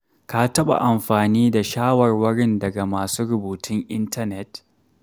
ka taɓa amfani da shawarwarin daga masu rubutun intanet?